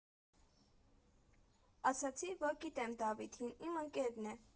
Ասացի, որ գիտեմ Դավիթին, իմ ընկերն է։